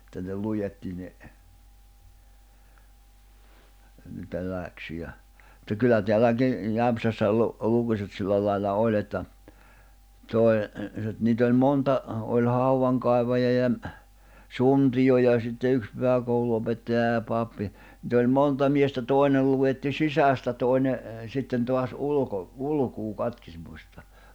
että ne luetti ne niitä läksyjä mutta kyllä täälläkin Jämsässä - lukuset sillä lailla oli että toi nyt niitä oli monta oli haudankaivajaa ja suntio ja sitten yksi pyhäkoulunopettaja ja pappi niitä oli monta miestä toinen luetti sisästä toinen sitten taas - ulkolukua katkismusta